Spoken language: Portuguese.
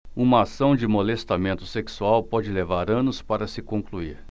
uma ação de molestamento sexual pode levar anos para se concluir